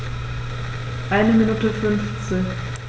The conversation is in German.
Eine Minute 50